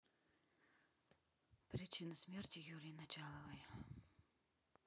причина смерти юлии началовой